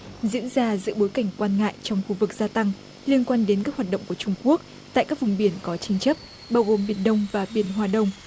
diễn ra giữa bối cảnh quan ngại trong khu vực gia tăng liên quan đến các hoạt động của trung quốc tại các vùng biển có tranh chấp bao gồm biển đông và biển hoa đông